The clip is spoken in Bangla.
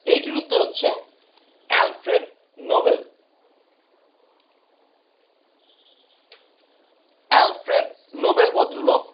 এটির উত্তর হচ্ছে আলফ্রেড নোবেল আলফ্রেড নোবেল ভদ্রলোক